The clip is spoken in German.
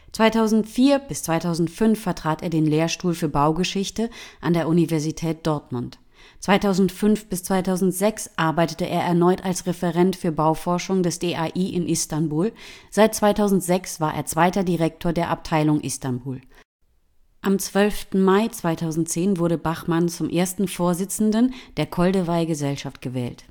2004/05 vertrat er den Lehrstuhl für Baugeschichte an der Universität Dortmund. 2005/06 arbeitete er erneut als Referent für Bauforschung des DAI in Istanbul, seit 2006 war er Zweiter Direktor der Abteilung Istanbul. Am 12. Mai 2010 wurde Bachmann zum ersten Vorsitzenden der Koldewey-Gesellschaft gewählt